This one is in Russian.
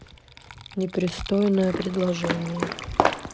непристойное предложение